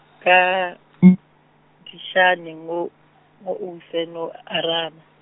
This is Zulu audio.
kaDishani, ngo ngo Use no Arana.